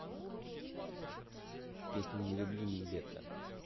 песня не люблю niletto